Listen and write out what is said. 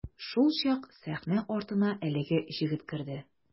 Шулчак сәхнә артына әлеге җегет керде.